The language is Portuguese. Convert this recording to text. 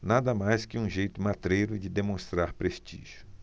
nada mais que um jeito matreiro de demonstrar prestígio